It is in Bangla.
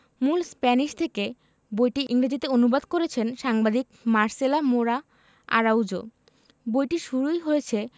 মূল স্প্যানিশ থেকে বইটি ইংরেজিতে অনু্বাদ করেছেন সাংবাদিক মার্সেলা মোরা আরাউজো বইটি শুরুই হয়েছে